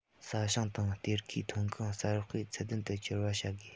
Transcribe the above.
ས ཞིང དང གཏེར ཁའི ཐོན ཁུངས གསར སྤེལ ཚད ལྡན དུ འགྱུར བ བྱ དགོས